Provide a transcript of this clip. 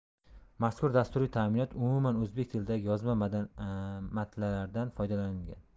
mazkur dasturiy ta'minot umuman o'zbek tilidagi yozma matlardan foydalanadigan